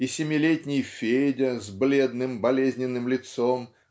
и семилетний Федя с бледным болезненным лицом